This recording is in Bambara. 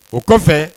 O kɔfɛ